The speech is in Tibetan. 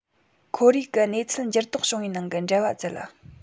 ཁོར ཡུག གི གནས ཚུལ འགྱུར ལྡོག བྱུང བའི ནང གི འབྲེལ བ བཙལ